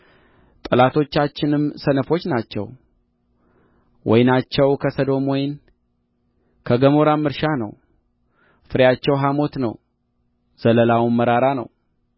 ጠላቶቻችንም ሰነፎች ናቸው ወይናቸው ከሰዶም ወይን ከገሞራም እርሻ ነው ፍሬያቸው ሐሞት ነው ዘለላውም መራራ ነው